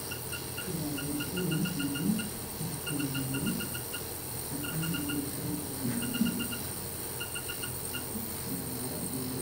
Waa gabdho badan sawir galaayaan waxaa ka dambeeyo niman wataan shaatiyo suudeed